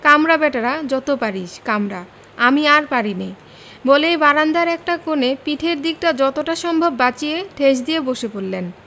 কামড়া ব্যাটারা যত পারিস কামড়া আমি আর পারিনে বলেই বারান্দায় একটা কোণে পিঠের দিকটা যতটা সম্ভব বাঁচিয়ে ঠেস দিয়ে বসে পড়লেন